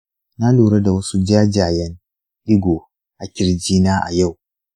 na lura da wasu jajayen ɗigo a kirjina a yau.